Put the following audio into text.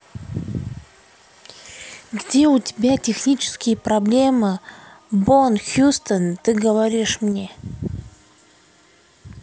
где у тебя технические проблемы бон хьюстон ты говоришь мне